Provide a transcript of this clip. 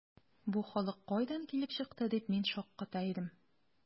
“бу халык кайдан килеп чыкты”, дип мин шакката идем.